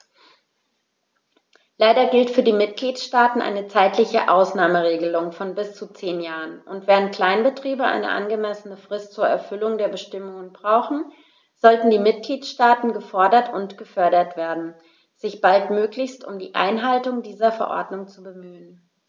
Leider gilt für die Mitgliedstaaten eine zeitliche Ausnahmeregelung von bis zu zehn Jahren, und, während Kleinbetriebe eine angemessene Frist zur Erfüllung der Bestimmungen brauchen, sollten die Mitgliedstaaten gefordert und gefördert werden, sich baldmöglichst um die Einhaltung dieser Verordnung zu bemühen.